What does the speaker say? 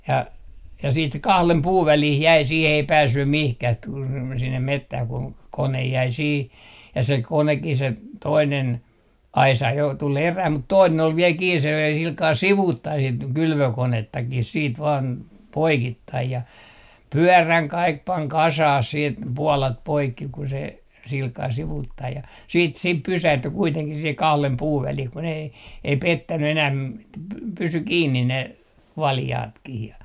ja ja sitten kahden puun väliin jäi siihen ei päässyt mihinkään - tuli sinne metsään kun kone jäi siihen ja se konekin se toinen aisa jo tuli erään mutta toinen oli vielä kiinni se löi sillä kalella sivuttain sitten kylvökonettakin sitten vain poikittain ja pyörän kaikki pani kasaan sitten puolat poikki kun se sillä kalella sivuttain ja siitä sitten pysähtyi kuitenkin siihen kahden puun väliin kun ei ei pettänyt enää että pysyi kiinni ne valjaatkin ja